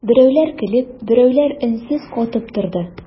Берәүләр көлеп, берәүләр өнсез катып торды.